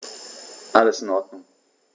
Alles in Ordnung.